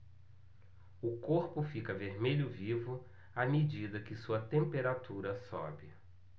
o corpo fica vermelho vivo à medida que sua temperatura sobe